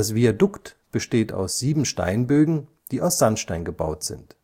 Viadukt besteht aus sieben Steinbögen, die aus Sandstein gebaut sind